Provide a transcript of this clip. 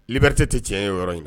Libte tɛ tiɲɛ ye yɔrɔ ye